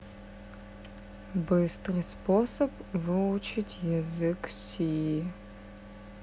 быстрый способ выучить язык си